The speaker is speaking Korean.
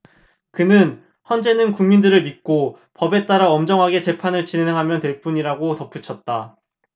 그는 헌재는 국민들을 믿고 법에 따라 엄정하게 재판을 진행하면 될 뿐이다라고 덧붙였다